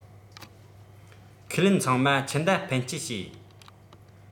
ཁས ལེན ཚང མ ཆུ མདའ འཕེན སྤྱད བྱས